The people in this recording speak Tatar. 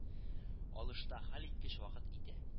Алышта хәлиткеч вакыт итә